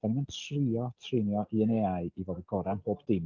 Dan ni'm yn trio treinio un AI i fod y gorau am bob dim.